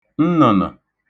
nnə̣̀nə̣̀